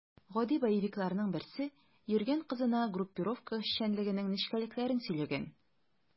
Гади боевикларның берсе йөргән кызына группировка эшчәнлегенең нечкәлекләрен сөйләгән.